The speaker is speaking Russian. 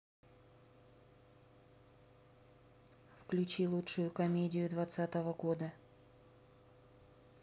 включи лучшую комедию двадцатого года